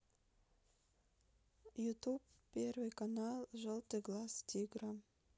ютуб первый канал желтый глаз тигра